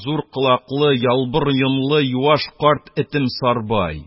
Зур колаклы, ялбыр йонлы, юаш карт этем сарбай